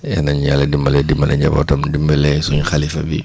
yal nañu yàlla dimbale dimbale njabootam dimbale suñu xalifa bi